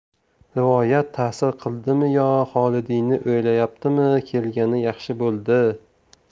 rivoyat ta'sir qildimi yo xolidiyni o'ylayaptimi kelgani yaxshi bo'ldi